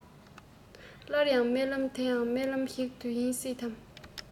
སླར ཡང རྨི ལམ དེ ཡང རྨི ལམ ཞིག ཡིན སྲིད དམ